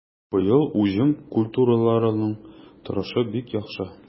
Быел уҗым культураларының торышы бик яхшы.